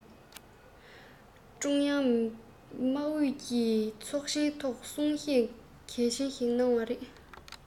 ཀྲུང དབྱང དམག ཨུད ཀྱི ཚོགས ཆེན ཐོག གསུང བཤད གལ ཆེན གནང བ རེད